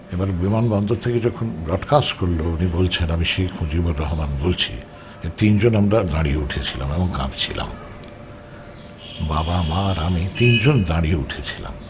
এবার বিমানবন্দর থেকে যখন ব্রডকাস্ট করলো উনি বলছেন আমি শেখ মুজিবুর রহমান বলছি তিনজন আমরা দাঁড়িয়ে উঠেছিলাম এবং কাঁদছিলাম বাবা মা আর আমি তিনজন দাঁড়িয়ে উঠেছিলাম